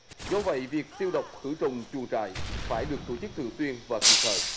do vậy việc tiêu độc khử trùng chuồng trại phải được tổ chức thường xuyên và kịp thời